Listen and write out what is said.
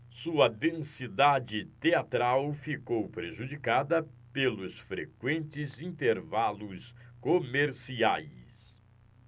sua densidade teatral ficou prejudicada pelos frequentes intervalos comerciais